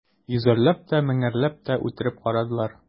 Йөзәрләп тә, меңәрләп тә үтереп карадылар.